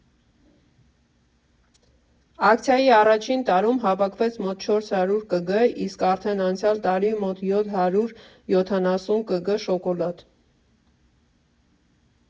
Ակցիայի առաջին տարում հավաքվեց մոտ չորս հարյուր կգ, իսկ արդեն անցյալ տարի՝ մոտ յոթ հարյուր յոթանասուն կգ շոկոլադ։